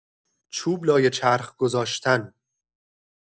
چوب لای چرخ گذاشتن